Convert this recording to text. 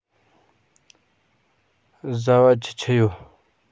བཟའ བ ཆི ཆི ཡོད